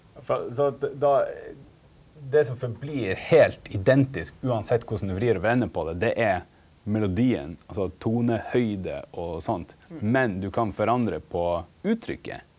for så at då det som blir verande heilt identisk uansett korleis du vrir og vender på det, det er melodien, altså tonehøgd og sånt, men du kan forandre på uttrykket?